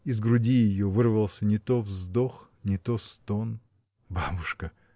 Из груди ее вырвался не то вздох, не то стон. — Бабушка!